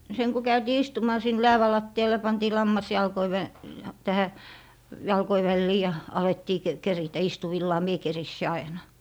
sen kun käytiin istumaan sinne läävän lattialle ja pantiin lammas jalkojen - tähän jalkojen väliin ja alettiin - keritä istuvillaan minä keritsin aina